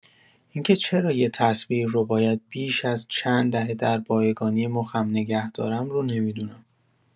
این که چرا یه تصویر رو باید بیش از چند دهه در بایگانی مخم نگه دارم رو نمی‌دونم.